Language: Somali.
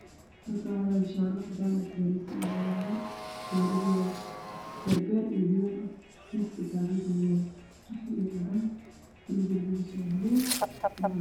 Waa feero midabkeedu yahay madow waxaa ka dambeeya shatiyaal la fiiriyay